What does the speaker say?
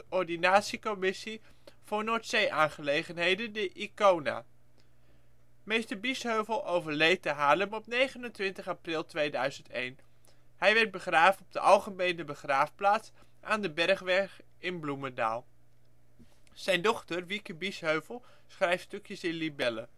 Coördinatiecommissie voor Noordzeeaangelegenheden ICONA. Mr. Biesheuvel overleed te Haarlem op 29 april 2001. Hij werd begraven op de Algemene Begraafplaats aan de Bergweg in Bloemendaal. Zijn dochter Wieke Biesheuvel schrijft stukjes in Libelle